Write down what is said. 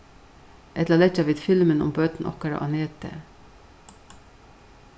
ella leggja vit filmin um børn okkara á netið